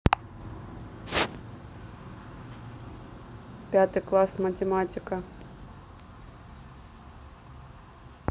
пятый класс математика